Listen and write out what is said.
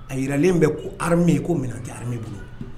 A yilen bɛ ko ha min ye ko minɛn kɛ bolo